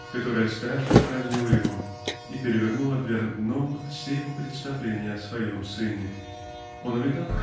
которое страшно поразило его и перевернуло вверх дном все его представления о своем сыне. Он увидел